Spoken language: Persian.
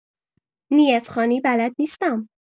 نیت‌خوانی بلد نیستم.